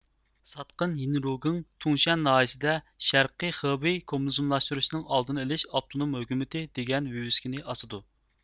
ساتقىن يىنرۇگېڭ تۇڭشيەن ناھىيىسىدە شەرقىي خېبېي كوممۇنىزملاشتۇرۇشنىڭ ئالدىنى ئېلىش ئاپتونوم ھۆكۈمىتى دېگەن ۋىۋىسكىنى ئاسىدۇ